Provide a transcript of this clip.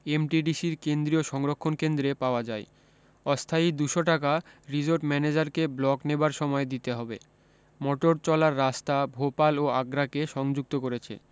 এমটিডিসির কেন্দ্রীয় সংরক্ষণ কেন্দ্রে পাওয়া যায় অস্থায়ী দুশো টাকা রিসোর্ট ম্যানেজারকে ব্লক নেবার সময় দিতে হবে মটর চলার রাস্তা ভোপাল ও আগ্রাকে সংযুক্ত করেছে